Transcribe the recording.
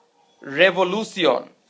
Revolución